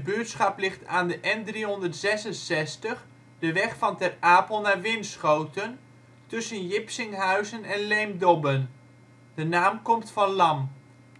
buurtschap ligt aan de N366, de weg van Ter Apel naar Winschoten, tussen Jipsinghuizen en Leemdobben. De naam komt van lam.